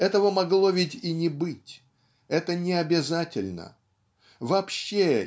Этого могло ведь и не быть, это необязательно. Вообще